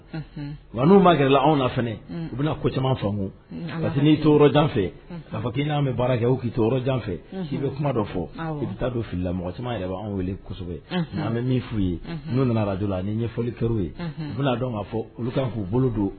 Wa n' camanmu ka'' bɛ baara kɛ kfɛ k' kuma fɔ i bɛ taa don fili mɔgɔ caman yɛrɛ anw weele n' bɛ min' ye n'u nana araj ɲɛfɔli ye u dɔn k ka fɔ olu kan k'u bolo don